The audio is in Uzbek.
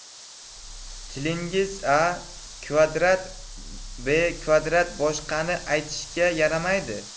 tilingiz a kvadrat b kvadratdan boshqani aytishga yaramaydi